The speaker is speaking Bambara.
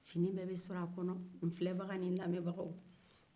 n filɛbaga ni n lamɛnbagaw fini bɛɛ sɔrɔ a kɔnɔ